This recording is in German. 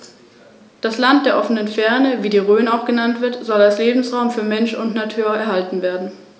Das Weibchen kann eine Körperlänge von 90-100 cm erreichen; das Männchen ist im Mittel rund 10 cm kleiner.